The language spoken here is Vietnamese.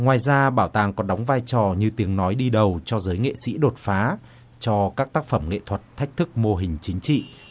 ngoài ra bảo tàng còn đóng vai trò như tiếng nói đi đầu cho giới nghệ sĩ đột phá cho các tác phẩm nghệ thuật thách thức mô hình chính trị